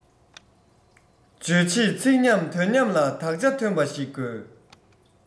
རྗོད བྱེད ཚིག ཉམས དོན ཉམས ལ དག ཆ ཐོན པ ཞིག དགོས